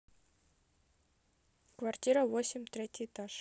квартира восемь третий этаж